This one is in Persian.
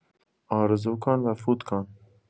آرزو کن و فوت کن.